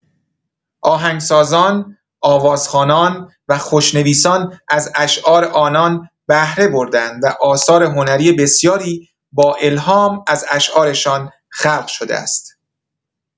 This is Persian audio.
آهنگسازان، آوازخوانان و خوشنویسان از اشعار آنان بهره برده‌اند و آثار هنری بسیاری با الهام از اشعارشان خلق شده است.